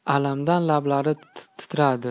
alamdan lablari titrardi